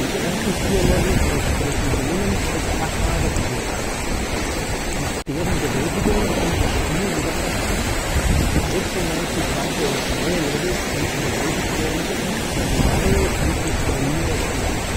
ersten vier Level entsprechen denen des Arcade-Original. Nach deren Bewältigung fängt das Spiel jedoch erst an: 96 weitere neue Levels müssen bewältigt werden, bis Mario schließlich Pauline retten kann